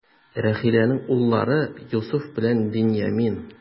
Рахиләнең уллары: Йосыф белән Беньямин.